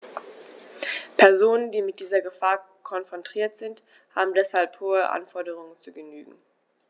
Personen, die mit dieser Gefahr konfrontiert sind, haben deshalb hohen Anforderungen zu genügen.